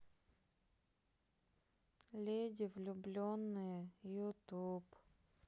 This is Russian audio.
леди влюбленные ютуб